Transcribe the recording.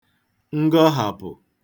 ngọhàpụ̀